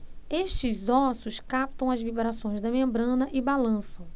estes ossos captam as vibrações da membrana e balançam